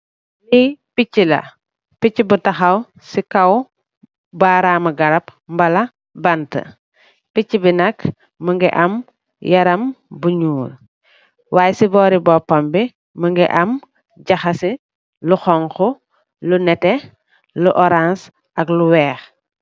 Lee peche la peche bu tahaw se kaw barame garab mala bante peche be nak muge am yaram bu njol y se bore bopam be muge am jahase lu hauhu lu neete lu orance ak lu weehe.